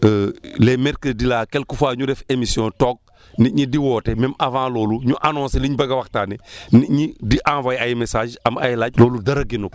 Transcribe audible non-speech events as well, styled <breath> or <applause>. <hesitation> les mercredis là quelque fois ñu def émission toog nit ñi di woote même avant loolu ñu annoncé liñ bëgg a waxtaane <breath> nit ñi di envoyé ay messages am ay laaj loolu dara gënu ko